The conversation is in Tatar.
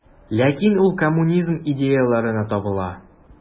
Ләкин ул коммунизм идеяләренә табына.